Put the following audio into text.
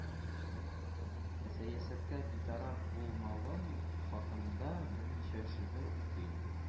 Сәясәткә битараф булмавым хакында берничә шигырь укыйм